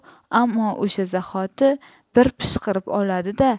ammo o'sha zahoti bir pishqirib oladi da